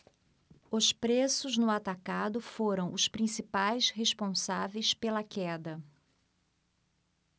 os preços no atacado foram os principais responsáveis pela queda